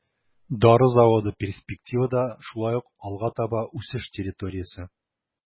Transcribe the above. Дары заводы перспективада шулай ук алга таба үсеш территориясе.